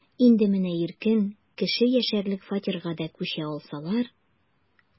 Инде менә иркен, кеше яшәрлек фатирга да күчә алсалар...